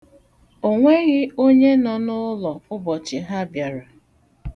O nweghị onye nọ n'ụlọ ụbọchị ha bịara.